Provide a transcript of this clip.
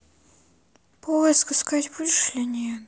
поиск искать будешь нет